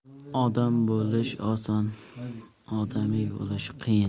odam bo'lish oson odamiy bo'lish qiyin